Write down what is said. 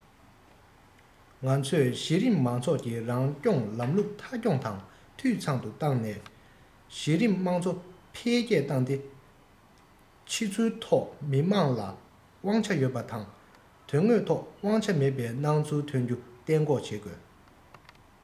ང ཚོས གཞི རིམ མང ཚོགས ཀྱི རང སྐྱོང ལམ ལུགས མཐའ འཁྱོངས དང འཐུས ཚང དུ བཏང ནས གཞི རིམ དམངས གཙོ འཕེལ རྒྱས བཏང སྟེ ཕྱི ཚུལ ཐོག མི དམངས ལ དབང ཆ ཡོད པ དང དོན དངོས ཐོག དབང ཆ མེད པའི སྣང ཚུལ ཐོན རྒྱུ གཏན འགོག བྱེད དགོས